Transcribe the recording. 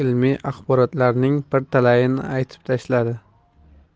ilmiy axborotlarning bir talayini aytib tashladi